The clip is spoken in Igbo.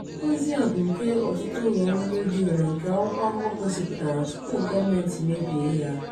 Ozi a bụ nke ọtụtụ ụlọ ọrụ redio na nke akwụkwọ akụkọ gosipụtara tupu gọọmenti mebie ya.